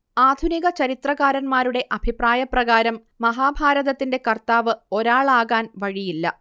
ആധുനിക ചരിത്രകാരന്മാരുടെ അഭിപ്രായപ്രകാരം മഹാഭാരതത്തിന്റെ കർത്താവ് ഒരാളാകാൻ വഴിയില്ല